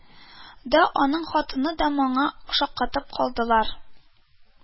Да, аның хатыны да моңа шаккатып калдылар